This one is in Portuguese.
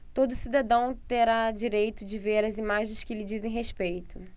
todo cidadão terá direito de ver as imagens que lhe dizem respeito